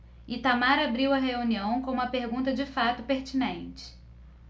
itamar abriu a reunião com uma pergunta de fato pertinente